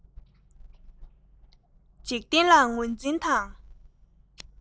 འཇིག རྟེན ལ ངོས འཛིན དང